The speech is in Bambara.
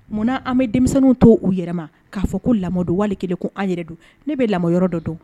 Munna an bɛ denmisɛnninw to u yɛrɛ ma k'a fɔ ko lamɔ don walekelen tun an yɛrɛ don ne bɛ lamɔ yɔrɔ dɔ don